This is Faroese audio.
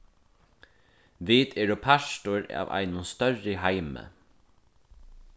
vit eru partur av einum størri heimi